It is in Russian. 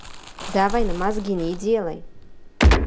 давай на мозги не делай